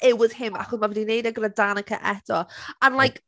It was him, achos ma' fe'n mynd i wneud e gyda Danica eto, and like...